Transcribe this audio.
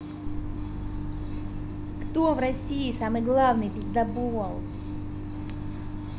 кто в россии самый главный пиздобол